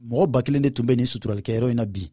mɔgɔ ba kelen de tun bɛ nin suturalikɛyɔrɔ in na bi